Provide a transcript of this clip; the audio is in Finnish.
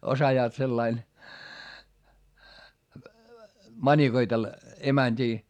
osaavat sillä lailla manikoitella emäntiä